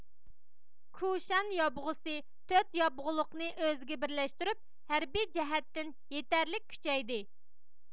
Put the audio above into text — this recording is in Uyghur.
كۇشان يابغۇسى تۆت يابغۇلۇقنى ئۆزىگە بىرلەشتۈرۈپ ھەربىي جەھەتتىن يېتەرلىك كۈچەيدى